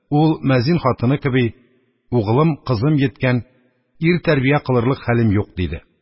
Ул, мөәззин хатыны кеби: – Угылым, кызым йиткән; ир тәрбия кылырлык хәлем юк, – диде.